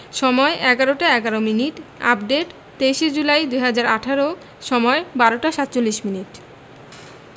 সময়ঃ ১১টা ১১মিনিট আপডেট ২৩ জুলাই ২০১৮ সময়ঃ ১২টা ৪৭মিনিট